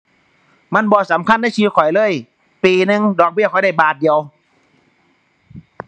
มันบ่สำคัญในชีวิตข้อยเลย ปีหนึ่งดอกเบี้ยข้อยได้บาทเดียว